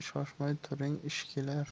shoshmay turing ish kelar